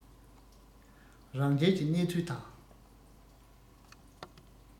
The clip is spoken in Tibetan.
རང རྒྱལ གྱི གནས ཚུལ དང